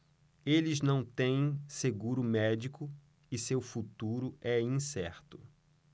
eles não têm seguro médico e seu futuro é incerto